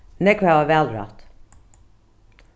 nógv hava valrætt